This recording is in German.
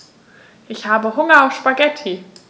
Ich habe Hunger auf Spaghetti.